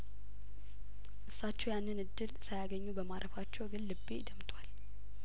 እሳቸው ያንን እድል ሳያገኙ በማረፋቸው ግን ልቤ ደምቷል